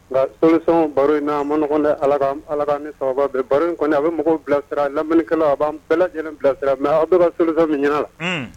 Selisɔn baro in na maɔgɔn tɛ ala ni saba bɛ baro kɔni a bɛ mɔgɔw bilasira laminikɛlaw a bɛɛ lajɛlen bilasira mɛ aw bɛ selikisɛ min ɲɛna la